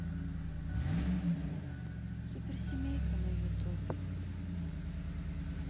суперсемейка на ютуб